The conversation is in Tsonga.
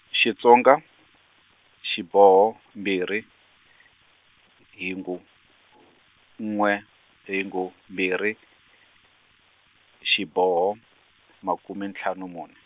Xitsonga, xiboho, mbirhi, mhingu, n'we, mhingu mbirhi, xiboho, makume ntlhanu mune.